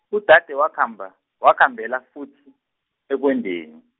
udade wakhamba, wakhambela futhi, ekwendeni.